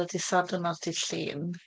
Ar y dydd Sadwrn a'r dydd Llun.